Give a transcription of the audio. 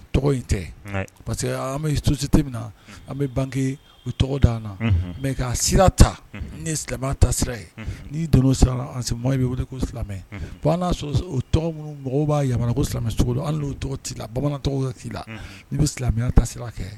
Tɔgɔ in tɛ parce que an bɛ sosite min na an bɛ bange u tɔgɔ da an na mɛ k' sira ta ni ye silamɛya tasira ye n' do sira an semɔgɔ bɛ wele ko silamɛ fo an'a o tɔgɔ minnu mɔgɔ b'a yamana ko silamɛmɛ cogo an tɔgɔ' la bamanan' la i bɛ silamɛya tasira kɛ